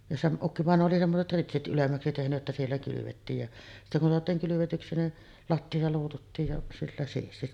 ja - ukkivainaja oli semmoiset ritsit ylemmäksi tehnyt että siellä kylvettiin ja sitten kun saatiin kylvetyksi niin lattia luututtiin ja sillä siisti